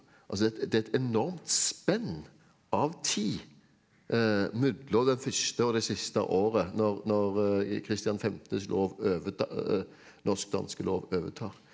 altså det er et det er et enormt spenn av tid mellom det første og det siste året når når Christian den femtes lov norsk-danske lov overtar.